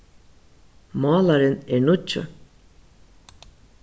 málarin er nýggjur